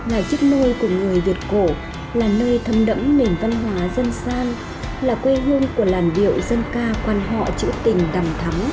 là chiếc nôi của người việt cổ là nơi thấm đẫm nền văn hóa dân gian là quê hương của làn điệu dân ca quan họ trữ tình đằm thắm